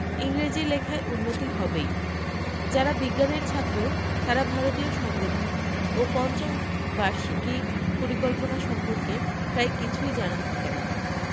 ইংরেজি লেখায় উন্নতি হবেই যারা বিজ্ঞানের ছাত্র তাদের ভারতীয় সংবিধান ও পঞ্চবার্ষিকী পরিকল্পনা সম্পর্কে প্রায় কিছুই জানা থাকে না